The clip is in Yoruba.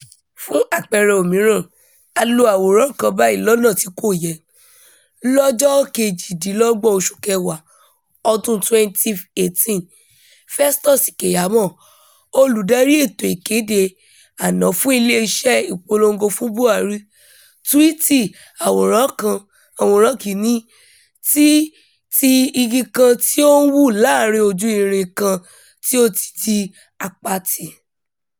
Fún àpẹẹrẹ òmíràn, a lo àwòrán kan báyìí lọ́nà tí kò yẹ. Lọ́jọ́ 28, oṣù kẹwàá, ọdún-un, 2018, Festus Keyamo, olùdarí ètò ìkéde àná fún Iléeṣẹ́ Ìpolongo fún Buhari, túwíìtì àwòrán kan (Aworan 1) ti igi kan tí ó ń wù láàárín ojú irin kan tí ó ti di àpatì: